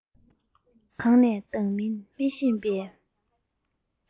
གང ནས ལྡང མིན མི ཤེས པའི